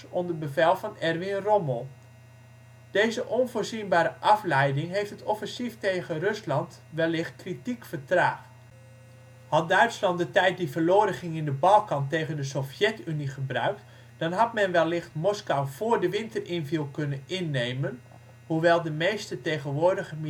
onder bevel van Erwin Rommel. Deze onvoorziene afleiding heeft het offensief tegen Rusland wellicht kritiek vertraagd: had Duitsland de tijd die verloren ging in de Balkan tegen de Sovjet-Unie gebruikt, dan had men wellicht Moskou voor de winter inviel kunnen innemen (hoewel de meeste tegenwoordige